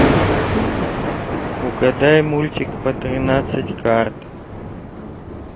угадай мультик по тринадцать карт